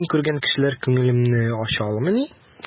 Мин күргән кешеләр күңелемне ача аламыни?